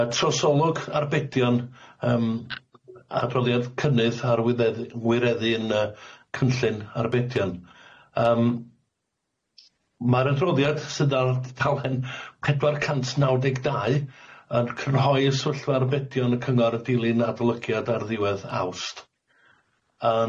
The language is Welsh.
Yy trosolwg arbedion yym adroddiad cynnydd arwyddedd- ngwireddu'n yy cynllun arbedion yym, ma'r adroddiad sydd ar dudalen pedwar cant naw deg dau yn cynhoi y s'fyllfa arbedion y cyngor y dilyn adolygiad ar ddiwedd Awst.